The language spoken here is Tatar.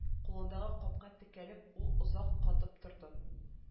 Кулындагы капка текәлеп ул озак катып торды